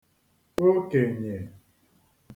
okènyè